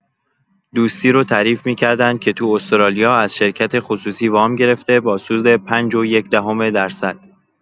دوستی رو تعریف می‌کردن که تو استرالیا از شرکت خصوصی وام گرفته، با سود ۱ ٫ ۵ درصد!